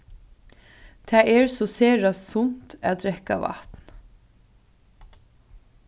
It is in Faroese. tað er so sera sunt at drekka vatn